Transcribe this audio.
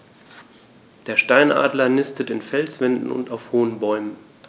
Der Steinadler nistet in Felswänden und auf hohen Bäumen.